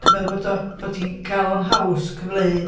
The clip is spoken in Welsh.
Dwi'n meddwl bod o'n... bod hi'n ei gael o'n haws cyfleu...